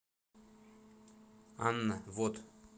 анна вот